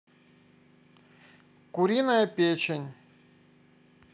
куриная печень